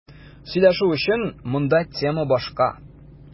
Сөйләшү өчен монда тема башка.